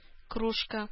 Кружка